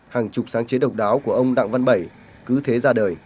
hàng chục sáng chế độc đáo của ông đặng văn bẩy cứ thế ra đời